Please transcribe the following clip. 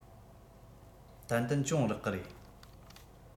ཏན ཏན གྱོང རག གི རེད